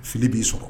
Fili b'i sɔrɔ